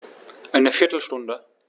Eine viertel Stunde